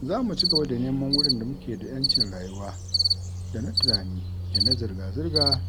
Za mu cigaba da neman wurin da muke da 'yancin rayuwa da na tunani da na zirga-zirga